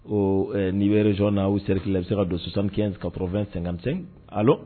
Ɔ n' yɛrɛsonon n' uu seri la bɛ se ka don susan kɛ ka torofɛn sanmisɛnsɛn a